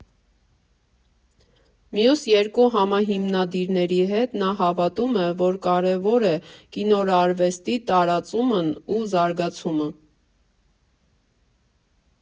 Մյուս երկու համահիմնադիրների հետ նա հավատում է, որ կարևոր է կինորարվեստի տարածումն ու զարգացումը։